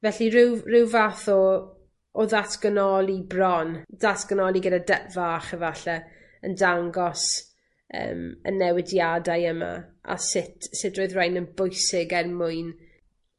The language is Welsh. Felly ryw ryw fath o o ddatganoli bron, datganoli gyda dy fach efalle yn dangos yym y newidiadau yma a sut sut roedd rain yn bwysig er mwyn